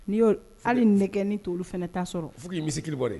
N'i y' hali nɛgɛ ni to olu fana' sɔrɔ fo k'i misili bɔ dɛ